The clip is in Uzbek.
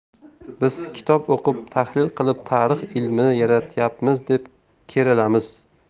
biz kitob o'qib tahlil qilib tarix ilmini yaratyapmiz deb kerilamiz